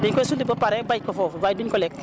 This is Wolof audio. dañ koy sulli ba pare bàyyi ko foofu waaye duñ ko lekk